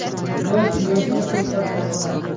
do'st do'stni kulfatda sinar